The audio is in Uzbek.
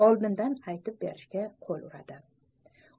oldindan aytib berishga qo'l uradi